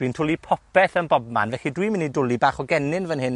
Dwi'n twlu popeth ym bobman, felly dwi'n mynd i dwli bach o gennin fan hyn